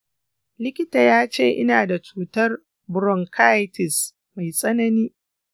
likita ya ce ina da cutar bronkitis mai tsanani.